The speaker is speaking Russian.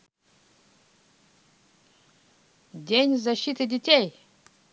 день защиты детей